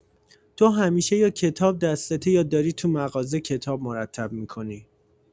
تو همیشه یا کتاب دستته یا داری تو مغازه کتاب مرتب می‌کنی.